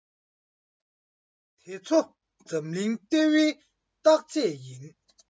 དེ ཚོ འཛམ གླིང ལྟེ བའི བརྟག དཔྱད ཡིན